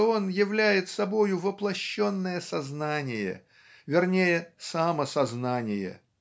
что он являет собою воплощенное сознание вернее, самосознание.